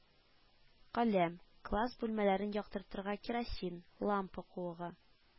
Каләм, класс бүлмәләрен яктыртырга керосин, лампа куыгы